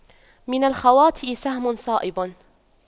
من الخواطئ سهم صائب